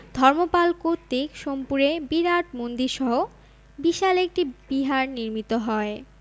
ধর্মপাল কর্তৃক সোমপুরে বিরাট মন্দিরসহ বিশাল একটি বিহার নির্মিত হয়